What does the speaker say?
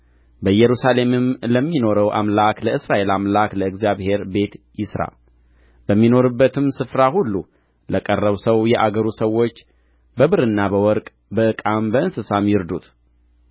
በኢየሩሳሌምም ለሚኖረው አምላክ ለእስራኤል አምላክ ለእግዚአብሔር ቤት ይሥራ በሚኖርበትም ስፍራ ሁሉ ለቀረው ሰው የአገሩ ሰዎች በብርና በወርቅ በዕቃም በእንስሳም ይርዱት